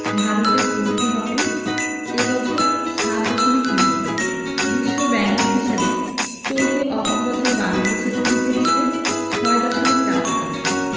ভারতের প্রবৃদ্ধি হবে এ বছর ৭.৩ শতাংশ বিশ্বব্যাংকের হিসাবে চলতি অর্থবছরে বাংলাদেশের প্রবৃদ্ধি আসবে ৬.৪ শতাংশ